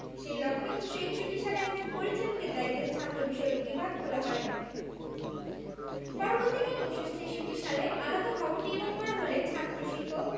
সেই লক্ষ্যে ১৯৬১ সালে একজন পরিচালকের দায়িত্বে ছাত্রবিষয়ক বিভাগ খোলা হয় পরবর্তীকালে ১৯৬৬ সালে আলাদা ভবন নির্মাণ করা হলে ছাত্র শিক্ষক